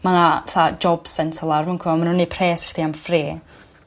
ma' 'na t'a' Job Centre lawr mwncw a ma' nw'n neud pres i chdi am free.